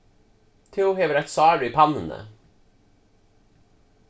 tú hevur eitt sár í pannuni